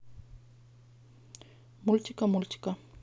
мультика мультика